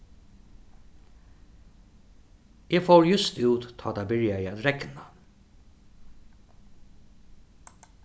eg fór júst út tá tað byrjaði at regna